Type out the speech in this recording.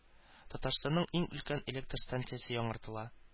Татарстанның иң өлкән электр станциясе яңартыла